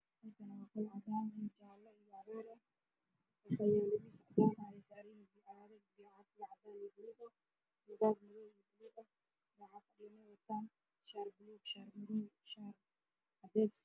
Waa niman badan oo meel hool fadhiyo mid suud ayuu qabaa